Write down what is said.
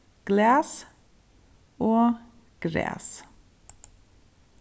glas og gras